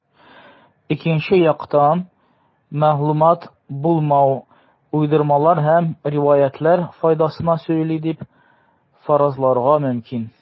Икенче яктан, мәгълүмат булмау уйдырмалар һәм риваятьләр файдасына сөйли дип фаразларга мөмкин.